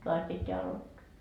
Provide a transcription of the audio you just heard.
taas pitää aloittaa